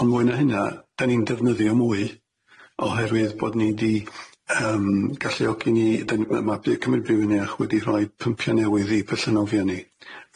On' mwy na hynna da ni'n defnyddio mwy oherwydd bod ni 'di ym galluogi ni, 'dyn ma' ma' by- Cymru Brif Weniach wedi rhoi pympio newydd i pylle nofio ni,